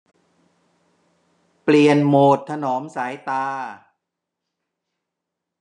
เปลี่ยนโหมดถนอมสายตา